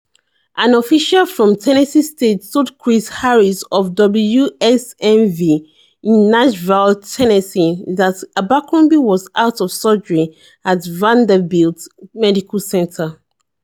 An official from Tennessee State told Chris Harris of WSMV in Nashville, Tennessee, that Abercrombie was out of surgery at Vanderbilt Medical Center.